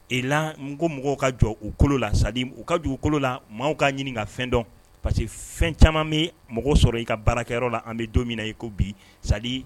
E la n ko mɔgɔw ka jɔ u kolo la - c'est à dire u ka j'u kolo la maaw kaa ɲini ka fɛn dɔn parce que fɛn caman bɛɛ mɔgɔ sɔrɔ i ka baarakɛyɔrɔ la an bɛ don min na i ko bi c'est à dire -